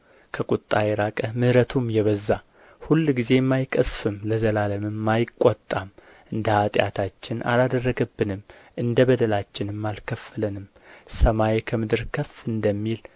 ከቍጣ የራቀ ምሕረቱም የበዛ ሁልጊዜም አይቀሥፍም ለዘላለምም አይቈጣም እንደ ኃጢአታችን አላደረገብንም እንደ በደላችንም አልከፈለንም ሰማይ ከምድር ከፍ እንደሚል